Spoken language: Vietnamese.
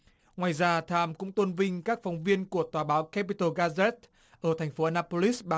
ngoài ra tham cũng tôn vinh các phóng viên của tờ báo cép pi tồ ga dét ở thành phố a na pô lít bang